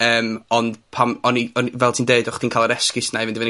Yym, ond, pan... O'n i, o'n i... Fel ti'n deud, o'ch chdi'n ca'l yr esgus 'na i fynd i fyny